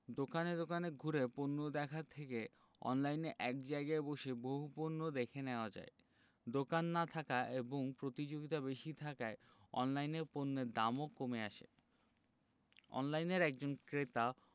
দোকানে দোকানে ঘুরে পণ্য দেখার থেকে অনলাইনে এক জায়গায় বসে বহু পণ্য দেখে নেওয়া যায় দোকান না থাকা এবং প্রতিযোগিতা বেশি থাকায় অনলাইনে পণ্যের দামও কমে আসে অনলাইনের একজন ক্রেতা